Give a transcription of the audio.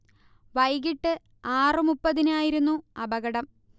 വൈകിട്ട് ആറു മുപ്പതിനായിരുന്നു അപകടം